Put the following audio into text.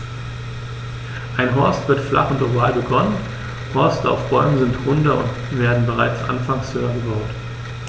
Ein Horst wird flach und oval begonnen, Horste auf Bäumen sind runder und werden bereits anfangs höher gebaut.